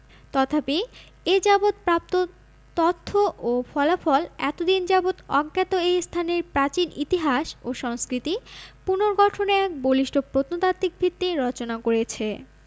তথাপি এ যাবৎ প্রাপ্ত তথ্য ও ফলাফল এতদিন যাবৎ অজ্ঞাত এই স্থানের প্রাচীন ইতিহাস ও সংস্কৃতি পুনর্গঠনে এক বলিষ্ঠ প্রত্নতাত্ত্বিক ভিত্তি রচনা করেছে